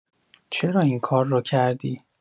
چرا این کار رو کردی؟